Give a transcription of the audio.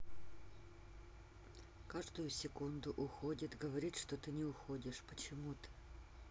каждую секунду уходить говорит что ты не уходишь почему ты